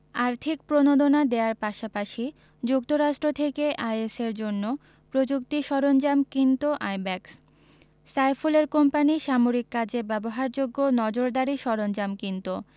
আর্থিক প্রণোদনা দেওয়ার পাশাপাশি যুক্তরাষ্ট্র থেকে আইএসের জন্য প্রযুক্তি সরঞ্জাম কিনত আইব্যাকস সাইফুলের কোম্পানি সামরিক কাজে ব্যবহারযোগ্য নজরদারি সরঞ্জাম কিনত